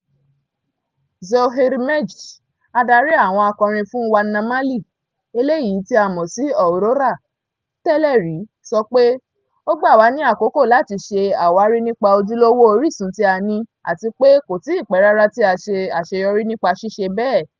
Zouheir Mejd, adarí àwọn akọrin fún Wana Mali (eléyìí tí a mọ̀ sí Aurora) tẹ́lẹ̀ rí) sọ pé "Ó gbà wá ní àkókò láti ṣe àwárí nípa ojúlówó orìsun tí a ní, àti pé kò tí ì pẹ́ rárá tí a ṣe àṣeyọrí nípa ṣíṣe bẹ́ẹ̀"